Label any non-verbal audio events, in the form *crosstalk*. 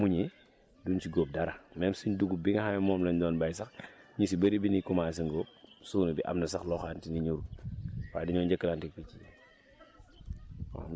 ndax buñ ko muñee duñ si góob dara même suñ dugub bi nga xam ne moom lañ doon béy sax yu si bëri bi ñuy commencé ngóob suuna bi am na sax loo xamante ni ñorul *noise* waaye dañoo njëkkalanteeg picc yi